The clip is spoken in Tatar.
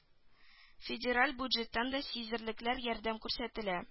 Федераль бюджеттан да сизелерлек ярдәм күрсәтелә